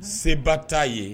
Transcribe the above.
Seba t'a ye